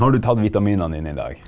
har du tatt vitaminene dine i dag?